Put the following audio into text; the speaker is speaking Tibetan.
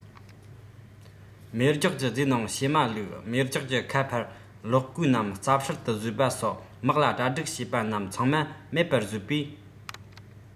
མེ སྒྱོགས ཀྱི རྫས ནང བྱེ མ བླུགས མེ སྒྱོགས ཀྱི ཁ ཕར སློག གོས རྣམས རྩབ ཧྲལ དུ བཟོས པ སོགས དམག ལ གྲ སྒྲིག བྱས པ རྣམས ཚང མ མེར པར བཟོས པས